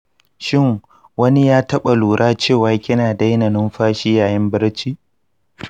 shin wani ya taɓa lura cewa kina daina numfashi yayin barci?